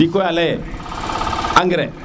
ndiki koy aley engrais